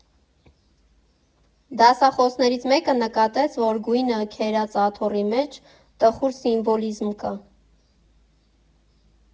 Դասախոսներից մեկը նկատեց, որ գույնը քերած աթոռի մեջ տխուր սիմվոլիզմ կա.